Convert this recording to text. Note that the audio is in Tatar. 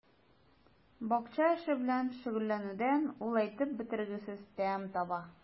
Бакча эше белән шөгыльләнүдән ул әйтеп бетергесез тәм таба.